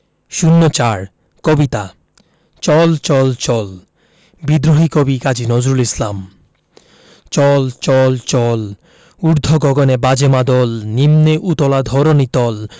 ০৪ কবিতা চল চল চল বিদ্রোহী কবি কাজী নজরুল ইসলাম চল চল চল ঊর্ধ্ব গগনে বাজে মাদল নিম্নে উতলা ধরণি তল